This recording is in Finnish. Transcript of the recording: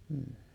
mm